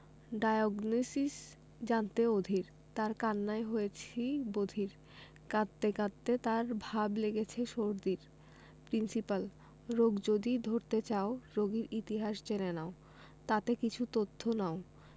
diagnosis জানতে অধীর তার কান্নায় হয়েছি বধির কাঁদতে কাঁদতে তার ভাব লেগেছে সর্দির প্রিন্সিপাল রোগ যদি ধরতে চাও রোগীর ইতিহাস জেনে নাও তাতে কিছু তথ্য নাও